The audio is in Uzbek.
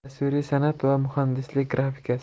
tasviriy san'at va muhandislik grafikasi